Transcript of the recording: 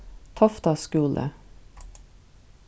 tofta skúli